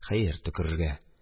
Хәер, төкерергә